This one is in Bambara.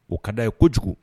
O ka da ye kojugu